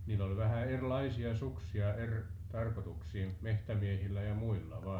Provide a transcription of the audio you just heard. niillä oli vähän erilaisia suksia eri tarkoituksiin metsämiehillä ja muilla vai